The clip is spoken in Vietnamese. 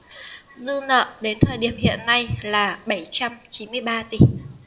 dư nợ đến thời điểm hiện nay là bảy trăm chín mươi ba tỷ